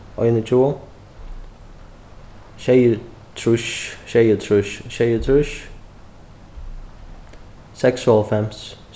einogtjúgu sjeyogtrýss sjeyogtrýss sjeyogtrýss seksoghálvfems